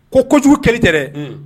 Ko kojugu kɛlɛli tɛɛrɛ